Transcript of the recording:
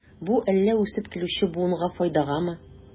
Бу әллә үсеп килүче буынга файдагамы?